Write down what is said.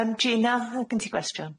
Yym Gina fydd gen ti gwestiwn?